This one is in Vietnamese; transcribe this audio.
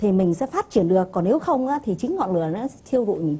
thì mình sẽ phát triển được còn nếu không á thì chính ngọn lửa nó thiêu rụi mình